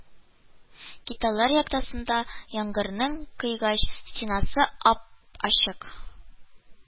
Кеталар яктысында яңгырның кыйгач стенасы ап-ачык